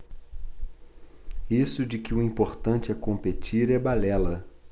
isso de que o importante é competir é balela